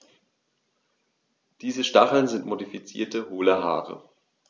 Diese Stacheln sind modifizierte, hohle Haare.